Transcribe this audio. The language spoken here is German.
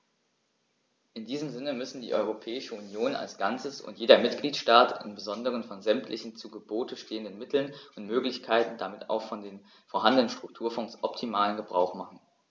In diesem Sinne müssen die Europäische Union als Ganzes und jeder Mitgliedstaat im Besonderen von sämtlichen zu Gebote stehenden Mitteln und Möglichkeiten und damit auch von den vorhandenen Strukturfonds optimalen Gebrauch machen.